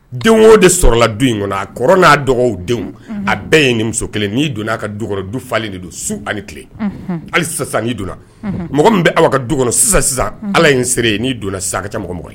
Den o de sɔrɔla du in kɔnɔ a kɔrɔ n'a dɔgɔ denw a bɛɛ ye nin muso kelen n' donna'a ka dukɔrɔ du falen de don su ani tile hali sisan donna mɔgɔ bɛ ala ka du kɔnɔ sisan sisan ala n'i donna sa kɛ mɔgɔmɔgɔ ye